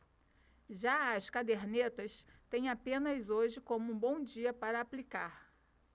já as cadernetas têm apenas hoje como um bom dia para aplicar